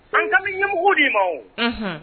An ka ɲɛbugu de ma